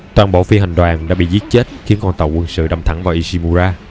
toàn bộ phi hành đoàn đã bị giết chết khiến con tàu quân sự đâm thẳng vào ishimura